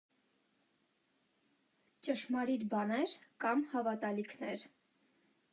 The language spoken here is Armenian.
Ճշմարիտ բաներ կամ հավատալիքներ.